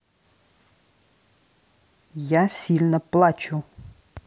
я сильно плачу